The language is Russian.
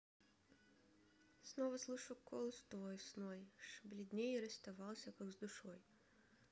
снова слышу голос твой сной ш бледней и расставался как с душой